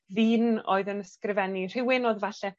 ddyn oedd yn ysgrifennu, rhywun odd falle